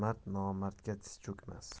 mard nomardga tiz cho'kmas